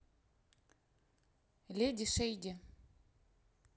lady шейди